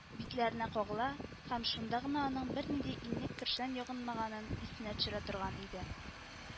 Битләренә кагыла һәм шунда гына аның бернинди иннек-кершән ягынмаганын исенә төшерә торган иде